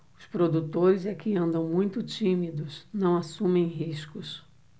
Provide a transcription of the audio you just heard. os produtores é que andam muito tímidos não assumem riscos